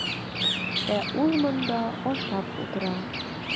Ә ул монда ашап утыра.